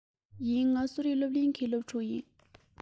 ཡིན ང གསོ རིག སློབ གླིང གི སློབ ཕྲུག ཡིན